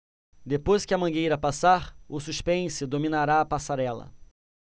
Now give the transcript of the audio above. depois que a mangueira passar o suspense dominará a passarela